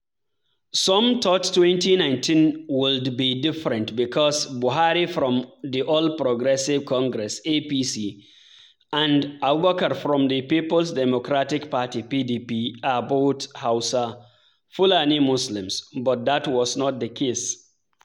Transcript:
Some thought 2019 would be different because Buhari from the All Progressive Congress (APC) and Abubakar from the People's Democratic Party (PDP) are both Hausa, Fulani Muslims, but that was not the case.